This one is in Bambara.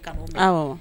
Awɔ